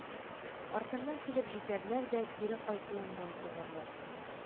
Артымнан килеп җитәрләр дә кире кайтуымны үтенерләр